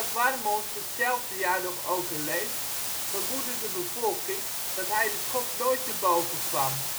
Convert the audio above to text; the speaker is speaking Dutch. Warmolts hetzelfde jaar nog overleed vermoedde de bevolking dat hij de schok nooit te boven kwam